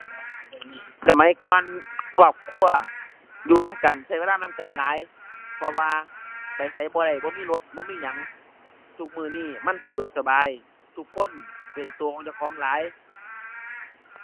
สมัยก่อนครอบครัวอยู่นำกัน ใช้เวลานำกันหลาย เพราะว่าไปไสบ่ได้ บ่มีรถ บ่มีหยัง ทุกมื้อนี้มันสะดวกสบาย ทุกคนเป็นใช้ของเจ้าของหลาย